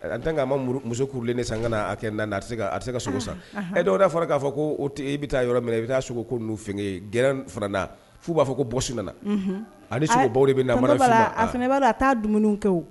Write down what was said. An tɛ' ma musokurulen de san ka na kɛ n da ase se ka sogo san e dɔwda fɔra k'a fɔ ko i bɛ taa yɔrɔ minɛ i bɛ taa sogo ko n' g fara f' b'a fɔ ko bɔsi nana ani sogo baw bɛ na a fana'a a taa dumuni kɛ